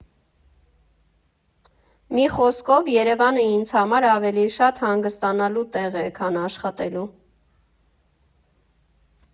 Մի խոսքով, Երևանը ինձ համար ավելի շատ հանգստանալու տեղ է, քան աշխատելու։